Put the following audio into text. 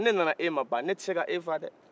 ne nana e ma ba ne tɛ se ka e faga dɛɛ